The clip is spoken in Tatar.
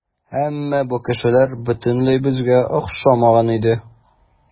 Әмма бу кешеләр бөтенләй безгә охшамаган иде.